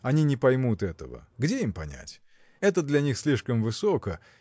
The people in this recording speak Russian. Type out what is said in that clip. они не поймут этого, где им понять! это для них слишком высоко